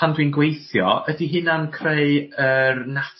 pan dwi'n gweithio ydi huna'n creu y'r